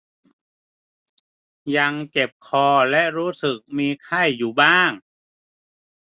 ยังเจ็บคอและรู้สึกมีไข้อยู่บ้าง